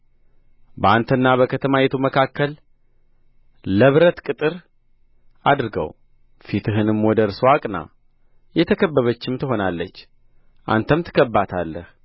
በአንተና በከተማይቱ መካከል ለብረት ቅጥር አድርገው ፊትህንም ወደ እርስዋ አቅና የተከበበችም ትሆናለች አንተም ትከብባታለህ